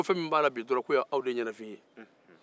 ko fɛn min b'a la bi dɔrɔn ko ye aw ɲɛnafin ye